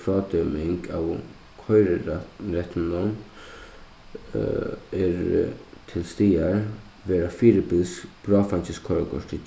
frádøming av koyrirætt rættinum eru til staðar verða fyribils bráðfeingiskoyrikortið